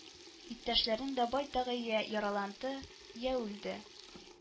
Иптәшләрнең дә байтагы йә яраланды, йә үлде